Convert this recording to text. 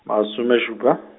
masome šupa.